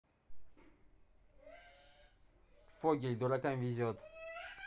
фогель дуракам везет